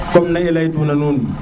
comme ne i leyit na nuun